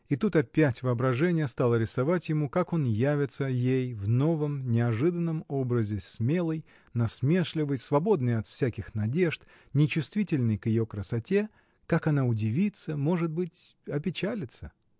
И тут опять воображение стало рисовать ему, как он явится ей в новом, неожиданном образе, смелый, насмешливый, свободный от всяких надежд, нечувствительный к ее красоте, как она удивится, может быть. опечалится!